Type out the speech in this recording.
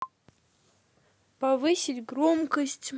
повысить громкость